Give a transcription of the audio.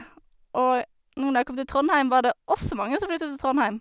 Og nå når jeg kom til Trondheim, var det også mange som flyttet til Trondheim.